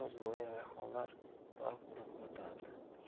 bo'yi rayhonlar barq urib yotardi